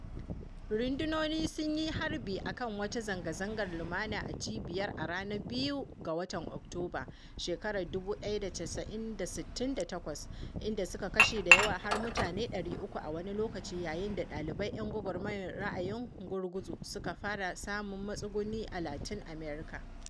Rundunonin sun yi harbi a kan wata zanga-zangar lumana a cibiyar a ranar 2 ga Oktoba, 1968, inda suka kashe da yawa har mutane 300 a wani lokaci yayin da ɗalibai ‘yan gwagwarmayar ra’ayin gurguzu suka fara samun matsuguni a Latin America.